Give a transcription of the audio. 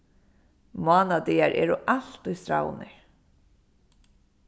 mánadagar eru altíð strævnir